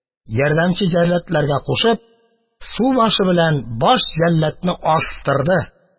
Ярдәмче җәлладларга кушып, субашы белән баш җәлладны астырды.